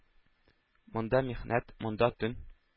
Монда михнәт, монда төн,